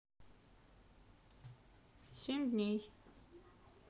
семь дней